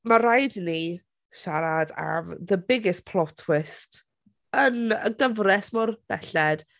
Mae rhaid i ni siarad am the biggest plot twist, yn y gyfres mor belled...